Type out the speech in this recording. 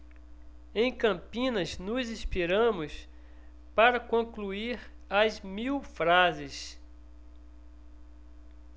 em campinas nos inspiramos para concluir as mil frases